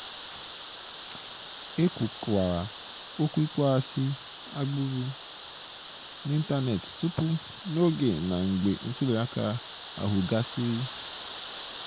E kwukwara okwu ịkpọasị agbụrụ n'ịntaneetị tupu, n'oge na mgbe ntụliaka ahụ gasịrị.